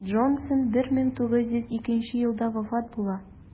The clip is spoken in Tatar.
Джонсон 1902 елда вафат була.